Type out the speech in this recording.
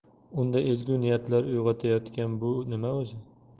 unda ezgu niyatlar uyg'otayotgan bu nima o'zi